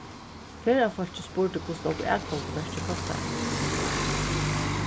ferðafólkið spurdi hvussu nógv atgongumerkið kostaði